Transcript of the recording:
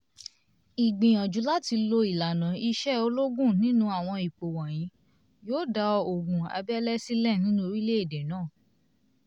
Ìgbìyànjú láti lo ìlànà ìṣe ológun nínú àwọn ipò wọ̀nyìí, yóò dá ogun abẹ́lé sílẹ̀ nínú orílẹ̀-èdè náà.